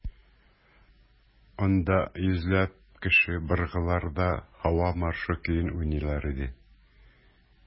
Анда йөзләп кеше быргыларда «Һава маршы» көен уйныйлар иде.